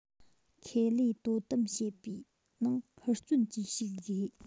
ཁེ ལས དོ དམ བྱེད པའི ནང ཧུར བརྩོན གྱིས ཞུགས དགོས